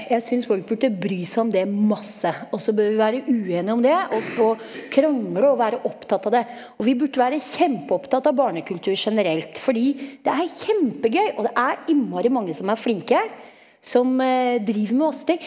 jeg syns folk burde bry seg om det masse, også bør vi være uenig om det og og krangle og være opptatt av det, og vi burde være kjempeopptatt av barnekultur generelt fordi det er kjempegøy, og det er innmari mange som er flinke som driver med masse ting.